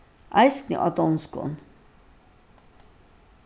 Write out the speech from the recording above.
eisini á donskum